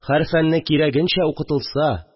Һәр фәнне кирәгенчә укытылса